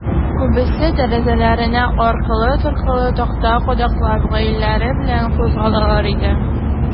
Күбесе, тәрәзәләренә аркылы-торкылы такта кадаклап, гаиләләре белән кузгалалар иде.